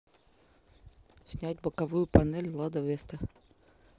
снять боковую панель лада веста